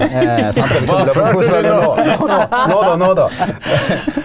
sant og liksom .